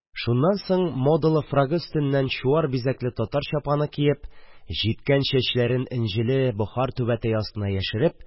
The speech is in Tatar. Шуннан соң модалы фрагы өстеннән чуар бизәкле татар чапаны киеп, җиткән чәчләрен энҗеле бохар түбәтәе астына яшереп,